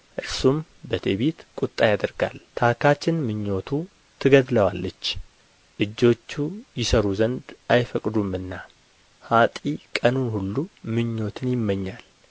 እርሱም በትዕቢት ቍጣ ያደርጋል ታካችን ምኞቱ ትገድለዋለች እጆቹ ይሠሩ ዘንድ አይፈቅዱምና ኀጥእ ቀኑን ሁሉ ምኞትን ይመኛል